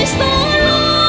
người